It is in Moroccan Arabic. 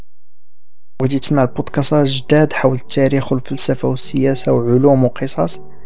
جديد حول تاريخ الفلسفه والسياسه وعلوم وقصص